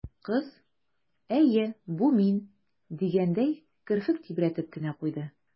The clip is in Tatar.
Кыз, «әйе, бу мин» дигәндәй, керфек тибрәтеп кенә куйды.